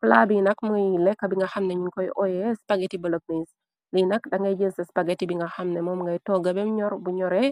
Plaa bi nak mooy leka bi nga xamne ñun koy oyeh spagety bloknes, lii nak dangay jel ca spageti bi nga xamne mom ngay togga behm njorre, bu njore